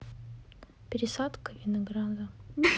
пересадка винограда